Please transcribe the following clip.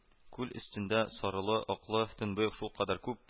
Күл өстендә сарылы-аклы төнбоек шулкадәр күп